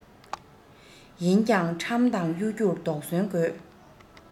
ཡིན ཀྱང ཁྲམ དང གཡོ སྒྱུར དོགས ཟོན དགོས